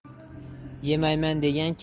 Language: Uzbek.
yemayman degan kelin